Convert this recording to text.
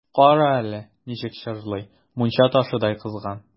Кара әле, ничек чыжлый, мунча ташыдай кызган!